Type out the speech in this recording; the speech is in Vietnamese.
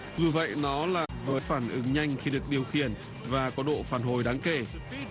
dù vậy nó là với phản ứng nhanh khi được điều khiển và có độ phản hồi đáng kể